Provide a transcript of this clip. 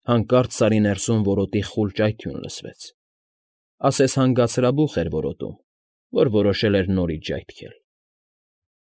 Հանկարծ Սարի ներսում որոտի խուլ ճայթյուն լսվեց, ասես հանգած հարբուխ էր որոտում, որ որոշել էր նորից ժայթքել։